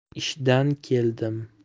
ishdan keldim